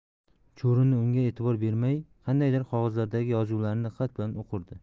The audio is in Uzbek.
chuvrindi unga e'tibor bermay qandaydir qog'ozlardagi yozuvlarni diqqat bilan o'qirdi